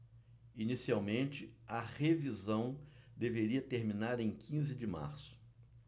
inicialmente a revisão deveria terminar em quinze de março